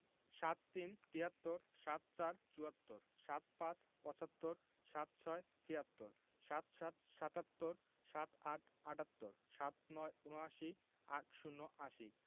৭৩ – তিয়াত্তর ৭৪ – চুয়াত্তর ৭৫ – পঁচাত্তর ৭৬ - ছিয়াত্তর ৭৭ – সাত্তর ৭৮ – আটাত্তর ৭৯ – উনআশি ৮০ - আশি